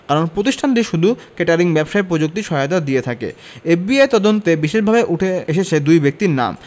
কারণ প্রতিষ্ঠানটি শুধু কেটারিং ব্যবসায় প্রযুক্তি সহায়তা দিয়ে থাকে এফবিআইয়ের তদন্তে বিশেষভাবে উঠে এসেছে দুই ব্যক্তির নাম